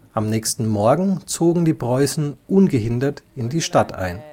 Am nächsten Morgen zogen die Preußen ungehindert in die Stadt ein